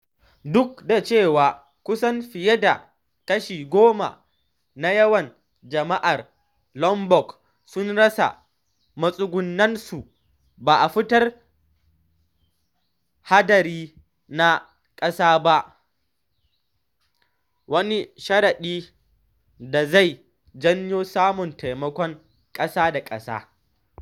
Duk da cewa kusan fiye da kashi 10 na yawan jama’ar Lombok sun rasa matsugunansu, ba a furta hadari na kasa ba, wani sharadi da zai janyo samun taimakon kasa-da-kasa.